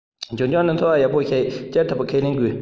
འབྱུང འགྱུར ནི འཚོ བ ཡག པོ ཞིག སྐྱེལ ཐུབ པའི ཁས ལེན དགོས